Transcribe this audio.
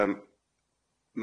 Yym.